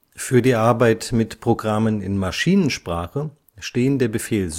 Für die Arbeit mit Programmen in Maschinensprache stehen der Befehl